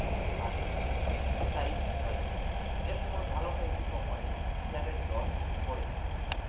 বাড়বে ঠিক তাই হয়েছে এ সময় ভালো কয়েকটি কোম্পানির শেয়ারের দর পড়ে যায়